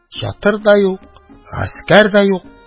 Чатыр да юк, гаскәр дә юк.